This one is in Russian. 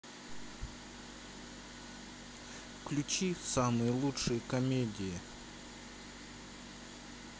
включи самые лучшие комедии